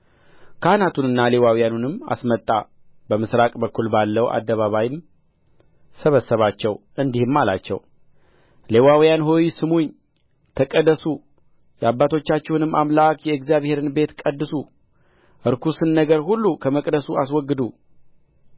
ካህናቱንና ሌዋውያኑንም አስመጣ በምሥራቅ በኩል ባለው አደባባይም ሰበሰባቸው እንዲህም አላቸው ሌዋውያን ሆይ ስሙኝ ተቀደሱ የአባቶቻችሁንም አምላክ የእግዚአብሔርን ቤት ቀድሱ ርኩሱን ነገር ሁሉ ከመቅደሱ አስወግዱ